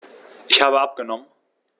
Ich habe abgenommen.